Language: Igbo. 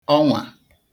ọnwà